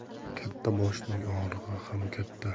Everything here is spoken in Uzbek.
katta boshning og'rig'i ham katta